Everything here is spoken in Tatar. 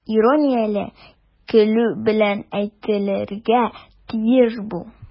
Иронияле көлү белән әйтелергә тиеш бу.